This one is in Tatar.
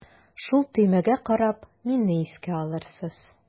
Шул төймәгә карап мине искә алырсыз.